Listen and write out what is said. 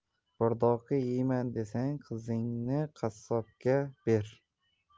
bo'rdoqi yeyman desang qizingni qassobga ber